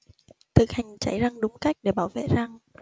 thực hành chải răng đúng cách để bảo vệ răng